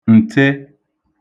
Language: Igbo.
ǹte